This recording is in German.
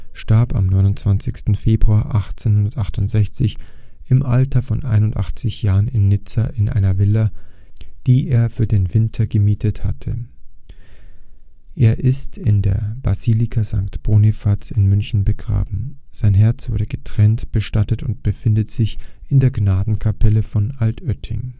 starb am 29. Februar 1868 im Alter von 81 Jahren in Nizza in einer Villa, die er für den Winter gemietet hatte. Er ist in der Basilika St. Bonifaz in München begraben. Sein Herz wurde getrennt bestattet und befindet sich in der Gnadenkapelle von Altötting